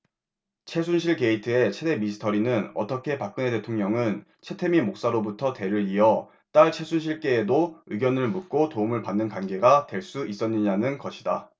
최순실 게이트의 최대 미스터리는 어떻게 박근혜 대통령은 최태민 목사로부터 대를 이어 딸 최순실씨에게도 의견을 묻고 도움을 받는 관계가 될 수 있었느냐는 것이다